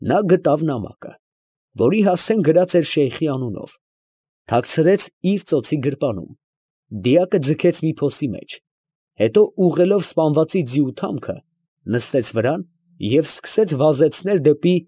Նա գտավ նամակը, որի հասցեն դրած էր շեյխի անունով, թաքցրեց իր ծոցի գրպանում, դիակը ձգեց մի փոսի մեջ, հետո ուղղելով սպանվածի ձիու թամքը, նստեց վրան, և սկսեց վազեցնել դեպի։